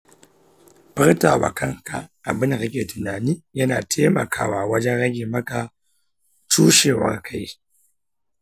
furtawa kan ka abin da kake tunani yana taimakawa wajen rage maka cushewar kai.